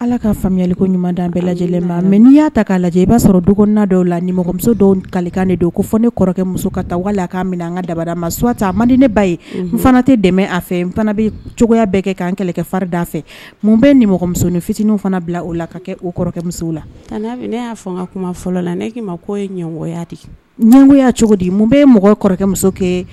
Ala k kaa faamuyayali ko ɲuman di bɛɛ lajɛ lajɛlen ma mɛ n'i y'a ta'a lajɛ i b'a sɔrɔ dɔgɔnna dɔw la nimɔgɔmuso kalikan de don ko fɔ ne kɔrɔkɛmuso ka taa wala'a an ka dabada ma suta mande ne ba ye n fana tɛ dɛmɛ a fɛ n fana bɛ cogoya bɛɛ kɛ' kɛlɛ fari da a fɛ mun bɛ ni mɔgɔmuso ni fitininw fana bila o la ka kɛ o kɔrɔkɛmuso la ne'a fɔlɔ la ne ɲɛ ɲɛgoya cogo di mun bɛ mɔgɔ kɔrɔkɛmuso kɛ